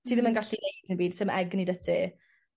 Ti ddim yn gallu neud dim byd sim egni 'da ti.